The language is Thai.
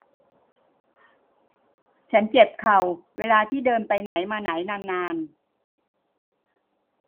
ฉันเจ็บเข่าเวลาที่เดินไปไหนมาไหนนานนาน